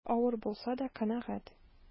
Эше авыр булса да канәгать.